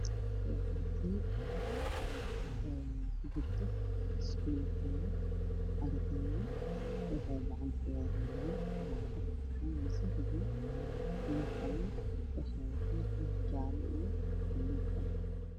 Waa arday ku jirto iskoolkooda ardayda waxay gacanta ku wada hayaan warqado iyo qalin waxay haystaan wax jaale iyo bloog ah